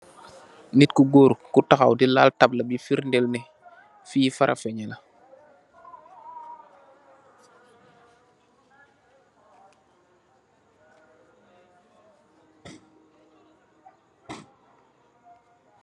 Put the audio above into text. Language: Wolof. Nit ku gor ku taxaw kui lal tabla bui ferdël neh fi Farafeññi la.